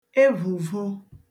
evùvo